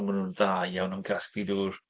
Ond maen nhw'n dda iawn am casglu ddŵr.